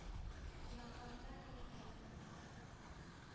Гөнаһларына керер хәлем юк.